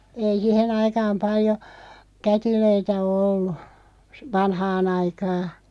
ei siihen aikaan paljon kätilöitä ole ollut - vanhaan aikaa